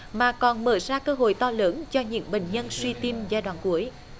mà còn mở ra cơ hội to lớn cho những bệnh nhân suy tim giai đoạn cuối